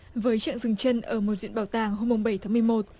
với chặng dừng chân ở một viện bảo tàng hôm mùng bảy tháng mười một